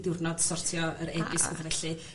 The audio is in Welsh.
...diwrnod sortio yr e-byst petha felly.